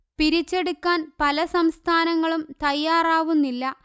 പിരിച്ചെടുക്കാൻപല സംസ്ഥാനങ്ങളും തയ്യാറാവുന്നില്ല